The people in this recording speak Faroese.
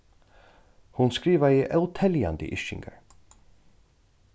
hon skrivaði óteljandi yrkingar